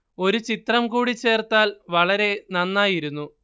ഒരു ചിത്രം കൂടി ചേർത്താൽ വളരെ നന്നായിരുന്നു